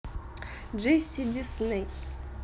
джесси дисней